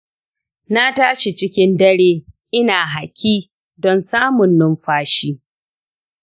na tashi cikin dare ina haki don samun numfashi